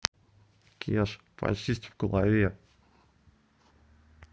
кеш почисти в голове